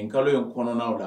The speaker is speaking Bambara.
Nin kalo ye kɔnɔnaw la